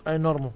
ay normes